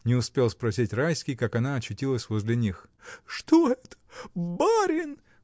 — не успел спросить Райский, как она очутилась возле них. — Что это, барин!